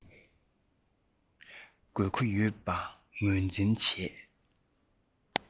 དགོས མཁོ ཡོད པ ངོས འཛིན བྱས